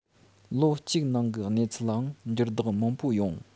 ལོ གཅིག ནང གི གནས ཚུལ ལའང འགྱུར ལྡོག མང པོ ཡོང